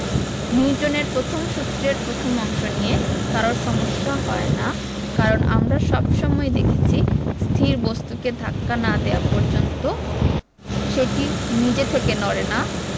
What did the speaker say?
নিউটনের প্রথম সূত্রের প্রথম অংশ নিয়ে কারো সমস্যা হয় না কারণ আমরা সব সময়ই দেখেছি স্থির বস্তুকে ধাক্কা না দেওয়া পর্যন্ত সেটি নিজে থেকে নড়ে না